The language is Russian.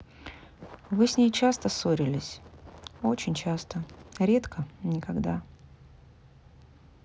вы с ней часто ссорились очень часто редко никогда